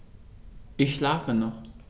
Ich schlafe noch.